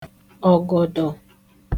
ọ̀gọ̀dọ̀